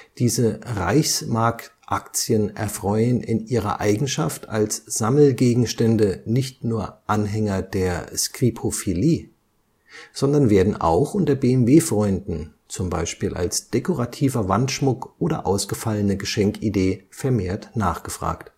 Diese Reichsmarkaktien erfreuen in ihrer Eigenschaft als Sammelgegenstände nicht nur Anhänger der Scripophilie, sondern werden auch unter BMW-Freunden (z. B. als dekorativer Wandschmuck oder ausgefallene Geschenkidee) vermehrt nachgefragt